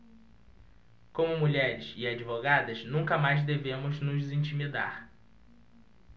como mulheres e advogadas nunca mais devemos nos intimidar